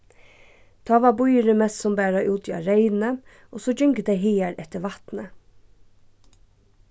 tá var býurin mestsum bara úti á reyni og so gingu tey hagar eftir vatni